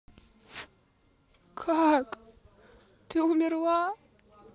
как ты умерла